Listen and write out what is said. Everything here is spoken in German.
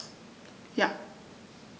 Ja.